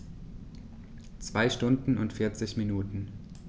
2 Stunden und 40 Minuten